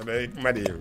A bɛ i kuma de yan